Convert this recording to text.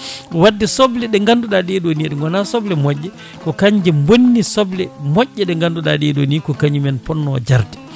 wadde soble ɗe ganduɗa ɗeɗo ni ɗe goona soble moƴƴe ko kañƴe bonni soble moƴƴe ɗe ganduɗa ɗe ɗo ni ko kañumen ponno jarde